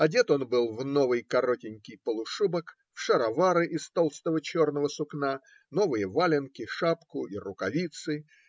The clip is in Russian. Одет он был в новый коротенький полушубок, в шаровары из толстого черного сукна, новые валенки, шапку и рукавицы.